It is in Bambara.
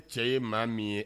Cɛ ye maa min ye